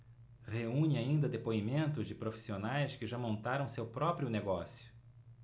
reúne ainda depoimentos de profissionais que já montaram seu próprio negócio